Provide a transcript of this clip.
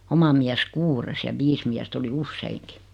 oma mies kuudes ja viisi miestä oli useinkin